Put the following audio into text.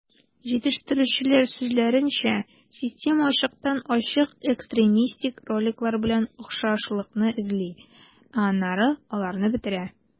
Җитештерүчеләр сүзләренчә, система ачыктан-ачык экстремистик роликлар белән охшашлыкны эзли, ә аннары аларны бетерә.